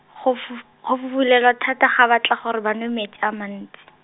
go fuf-, go fufulelwa thata ga batla gore ba nwe metsi a mantsi.